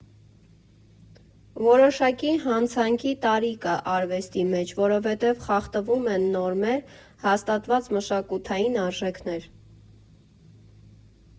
Որոշակի հանցանքի տարր կա արվեստի մեջ, որովհետև խախտվում են նորմեր, հաստատված մշակութային արժեքներ։